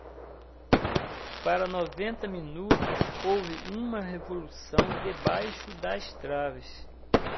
para noventa minutos houve uma revolução debaixo das traves